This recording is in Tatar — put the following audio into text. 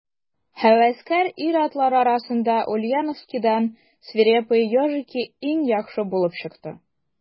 Һәвәскәр ир-атлар арасында Ульяновскидан «Свирепые ежики» иң яхшы булып чыкты.